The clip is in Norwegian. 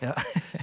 ja .